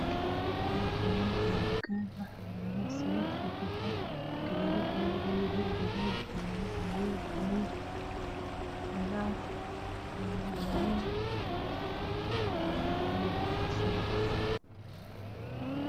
Meeshaani waa tukaan waxaa yaalo kalarkeedu yahay guduud cagaar jaale madow buluug cadaan baaali